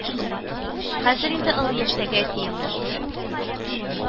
Хәзер инде олы яшьтәге әтиемнең